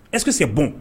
Ɛsekeseke bon